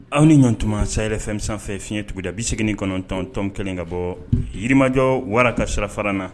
Aw ni ɲɔgɔn tun saya yɛrɛ fɛn0 fiɲɛɲɛ tuguda bɛ segin kɔnɔntɔntɔn kelen ka bɔ yirimajɔ wara ka sira fara na